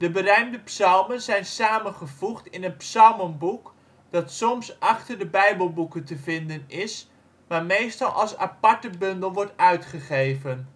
berijmde psalmen zijn samengevoegd in het psalmenboek dat soms achter de Bijbelboeken te vinden is, maar meestal als aparte bundel wordt uitgegeven